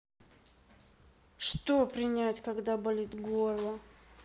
что принять когда болит горло